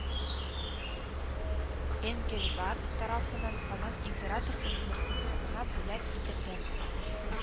Энгельгардт тарафыннан Казан император университетына бүләк ителгән